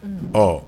Ɔ